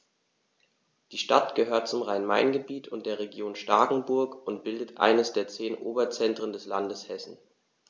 Die Stadt gehört zum Rhein-Main-Gebiet und der Region Starkenburg und bildet eines der zehn Oberzentren des Landes Hessen.